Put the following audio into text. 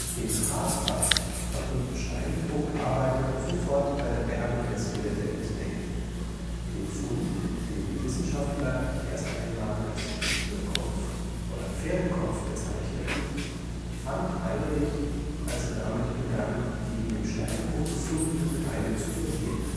Den „ Haarpfeil “hatten Steinbrucharbeiter sofort bei der Bergung der Skelette entdeckt, den Fund, den die Wissenschaftler erst einmal als „ Tierkopf “oder „ Pferdekopf “bezeichneten, fand Heiderich, als er damit begann, die in dem Steinbruch gefundenen Teile zu sortieren